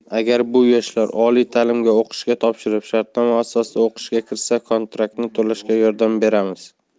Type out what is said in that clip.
agar bu yoshlar oliy ta'limga o'qishga topshirib shartnoma asosida o'qishga kirsa kontraktini to'lashga yordam beramiz